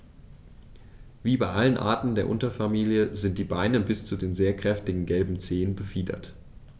Wie bei allen Arten der Unterfamilie sind die Beine bis zu den sehr kräftigen gelben Zehen befiedert.